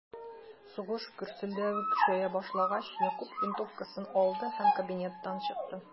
Сугыш гөрселдәве көчәя башлагач, Якуб винтовкасын алды һәм кабинеттан чыкты.